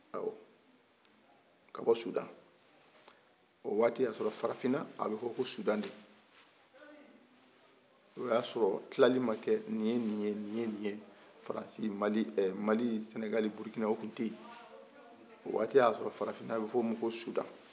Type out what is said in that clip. ayi ka bɔ sudan ni waati y'a sɔrɔ farafinna a bi fɔ ko sudan de o y'a sɔrɔ tilali ma kɛ ni ye ie ni